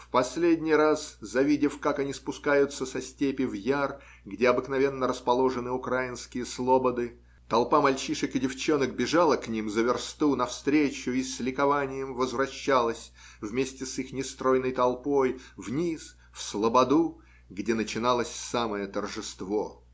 В последний раз, завидев, как они спускаются со степи в яр, где обыкновенно расположены украинские слободы, толпа мальчишек и девчонок бежала к ним за версту навстречу и с ликованием возвращалась вместе с их нестройной толпой вниз, в слободу, где начиналось самое торжество.